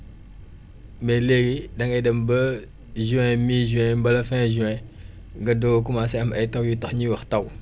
mais léegi dangay dem ba juin mi juin mbala fin juin nga doog a commencé am ay taw yu tax ñuy wax taw